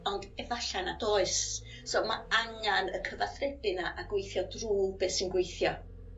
Ond efalla nad oes. So ma' angan y cyfathrebu 'na a gweithio drw be' sy'n gweithio.